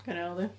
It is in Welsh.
Gawn ni weld ia?